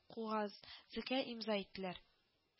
Куаз зекә имза иттеләр